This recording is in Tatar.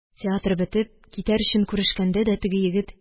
Театр бетеп, китәр өчен күрешкәндә дә, теге егет